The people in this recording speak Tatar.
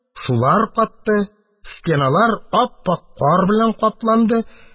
Сулар катты, стеналар ап-ак кар белән капланды.